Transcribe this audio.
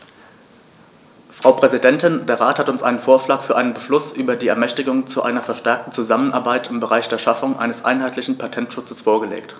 Frau Präsidentin, der Rat hat uns einen Vorschlag für einen Beschluss über die Ermächtigung zu einer verstärkten Zusammenarbeit im Bereich der Schaffung eines einheitlichen Patentschutzes vorgelegt.